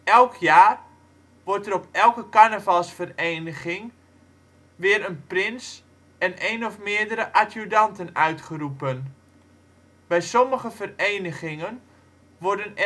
Elk jaar wordt er op elke carnavalsvereniging weer een prins en een of meerdere adjudanten uitgeroepen. Bij sommige verenigingen worden